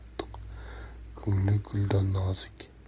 qattiq ko'ngli guldan nozik